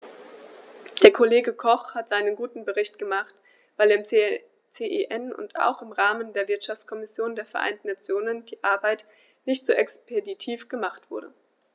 Der Kollege Koch hat seinen guten Bericht gemacht, weil im CEN und auch im Rahmen der Wirtschaftskommission der Vereinten Nationen die Arbeit nicht so expeditiv gemacht wurde.